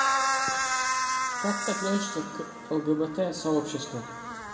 как ты относишься к лгбт сообществу